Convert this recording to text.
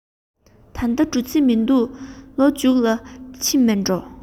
ད ལྟ འགྲོ རྩིས མི འདུག ལོ མཇུག ལ ཕྱིན མིན འགྲོ